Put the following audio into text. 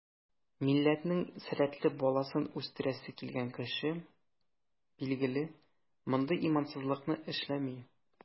Милләтнең сәләтле баласын үстерәсе килгән кеше, билгеле, мондый имансызлыкны эшләми.